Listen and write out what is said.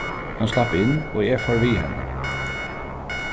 hon slapp inn og eg fór við henni